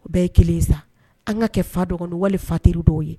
U bɛɛ ye kelen sa, an k'a kɛ fa dɔgɔninw wali fa teri dɔw ye.